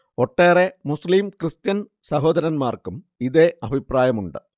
ഒട്ടേറെ മുസ്ളീം കൃസ്ത്യൻ സഹോദരന്മാർക്കും ഇതേ അഭിപ്രായമുണ്ട്